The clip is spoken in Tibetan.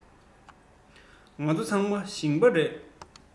ཁྱེད ཚོ ཚང མར ལུག ཡོད རེད